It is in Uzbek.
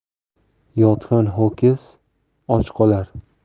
yotgan ho'kiz och qolar